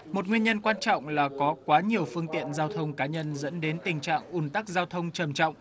một nguyên nhân quan trọng là có quá nhiều phương tiện giao thông cá nhân dẫn đến tình trạng ùn tắc giao thông trầm trọng